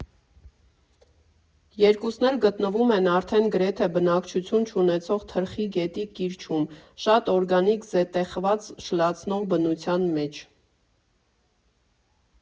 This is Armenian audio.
Երկուսն էլ գտնվում են արդեն գրեթե բնակչություն չունեցող Թրխի գետի կիրճում՝ շատ օրգանիկ զետեղված շլացնող բնության մեջ։